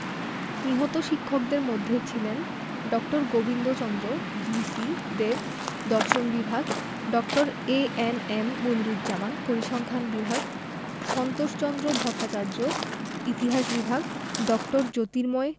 নিহত শিক্ষকদের মধ্যে ছিলেন ড. গোবিন্দচন্দ্র জি.সি দেব দর্শন বিভাগ ড. এ.এন.এম মনিরুজ্জামান পরিসংখান বিভাগ সন্তোষচন্দ্র ভট্টাচার্য ইতিহাস বিভাগ ড. জ্যোতির্ময়